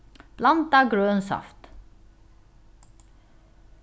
blandað grøn saft